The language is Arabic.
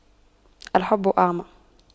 الحب أعمى